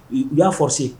U y'a fɔ se